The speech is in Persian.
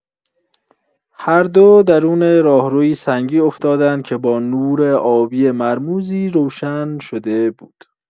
هر دو درون راهرویی سنگی افتادند که با نور آبی مرموزی روشن شده بود.